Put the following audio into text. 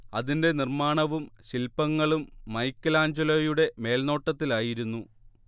അതിന്റെ നിർമ്മാണവും ശില്പങ്ങളും മൈക്കെലാഞ്ചലോയുടെ മേൽനോട്ടത്തിലായിരുന്നു